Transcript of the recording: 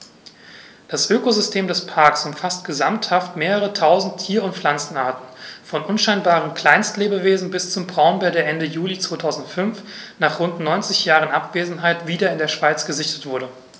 Das Ökosystem des Parks umfasst gesamthaft mehrere tausend Tier- und Pflanzenarten, von unscheinbaren Kleinstlebewesen bis zum Braunbär, der Ende Juli 2005, nach rund 90 Jahren Abwesenheit, wieder in der Schweiz gesichtet wurde.